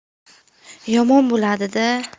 yomon bo'ladi da